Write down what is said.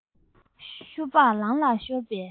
ཤོ སྦག ལང ལ ཤོར པའི